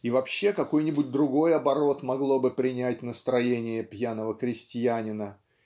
и вообще какой-нибудь другой оборот могло бы принять настроение пьяного крестьянина